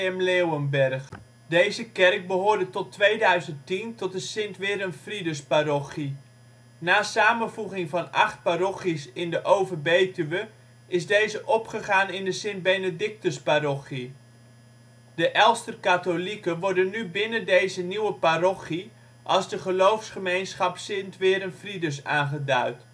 G.M. Leeuwenberg. Deze kerk behoorde tot 2010 tot de St. Werenfridusparochie. Na samenvoeging van acht parochies in de Over-Betuwe is deze opgegaan in de St. Benedictusparochie. De Elster katholieken worden nu binnen deze nieuwe parochie als de Geloofsgemeenschap St. Werenfridus aangeduid